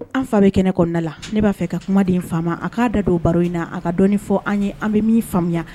An fa bɛ kɛnɛ kɔnɔna la ne b'a fɛ ka kumaden fama a k'a da don baro in na a ka dɔnɔni fɔ an ye an bɛ min faamuya